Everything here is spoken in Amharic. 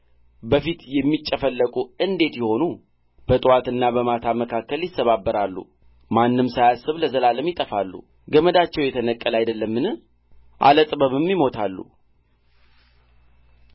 በፊት የሚጨፈለቁ እንዴት ይሆኑ በጥዋትና በማታ መካከል ይሰባበራሉ ማንም ሳያስብ ለዘላለም ይጠፋሉ ገመዳቸው የተነቀለ አይደለምን አለጥበብም ይሞታሉ